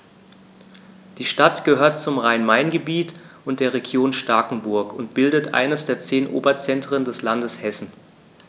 Die Stadt gehört zum Rhein-Main-Gebiet und der Region Starkenburg und bildet eines der zehn Oberzentren des Landes Hessen.